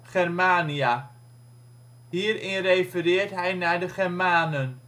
Germania). Hierin refereert hij naar de Germanen